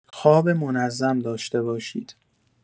خواب منظم داشته باشید.